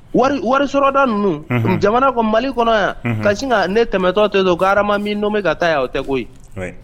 Wari s dɔ ninnu jamana ko mali kɔnɔ yan ka sin ne tɛmɛtɔ tɛ don ko hama min don bɛ ka taa yan o tɛ koyi koyi